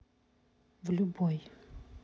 в любой